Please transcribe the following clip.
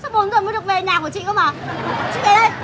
sao bốn giờ mới được về nhà của chị cơ mà chị về đây